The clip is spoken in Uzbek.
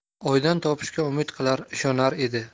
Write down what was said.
oydan topishiga umid qilar ishonar edi